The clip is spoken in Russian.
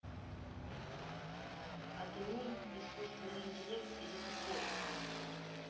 а ты ум и искусственный интеллект или тупой